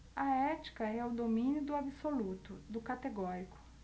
a ética é o domínio do absoluto do categórico